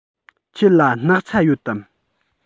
ཁྱེད ལ སྣག ཚ ཡོད དམ